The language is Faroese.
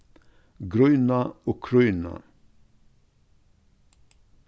grína og krýna